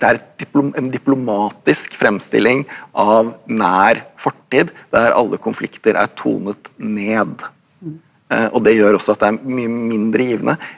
det er et en diplomatisk fremstilling av nær fortid der alle konflikter er tonet ned og det gjør også at det er mye mindre givende.